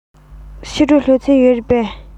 ཕྱི དྲོ སློབ ཚན ཡོད རེད པས